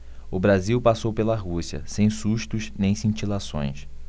o brasil passou pela rússia sem sustos nem cintilações